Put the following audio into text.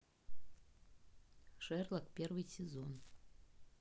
шерлок первый сезон